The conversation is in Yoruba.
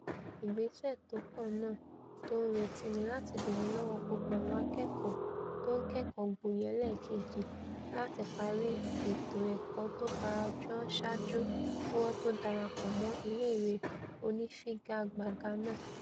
Ìgbésẹ̀ tókàn náà, tó ńretí, ni láti bèèrè lọ́wọ́́ gbogbo àwọn akẹ́kọ̀ọ́ tó ńkẹ́kọ̀ọ́ gboye ẹlẹ́ẹ̀kejì láti parí ètò ẹ̀kọ́ tófarajọ́ ọ saáju kí wọ́n to ́darapọ̀ mọ́ ilé ìwé onífiga-gbága náà.